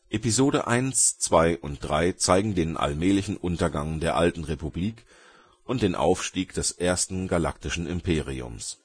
Episode I, II und III zeigen den allmählichen Untergang der alten Republik und den Aufstieg des ersten Galaktischen Imperiums